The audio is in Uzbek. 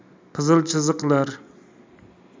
qizil chiziqlar